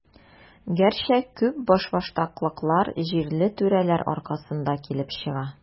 Гәрчә, күп башбаштаклыклар җирле түрәләр аркасында килеп чыга.